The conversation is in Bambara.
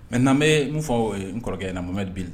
Mɛ n nabe n fɔ n kɔrɔkɛ ɲɛna momɛ bi